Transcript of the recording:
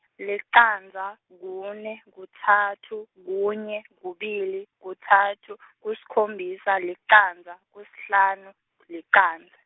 licandza, kune, kuthathu, kunye , kubili, kuthathu , kuyiskhombisa, licandza, kuyishlanu, ku licandza.